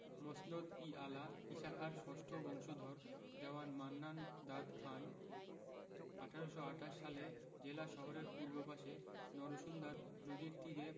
মসনদ ই আলা ঈশাখার ষষ্ঠ বংশধর দেওয়ান মান্নান দাদ খান ১৮২৮ সালে জেলা শহরের পূর্ব পাশে নরসুন্দা নদীর তীরে